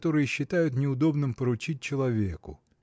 которые считают неудобным поручить человеку.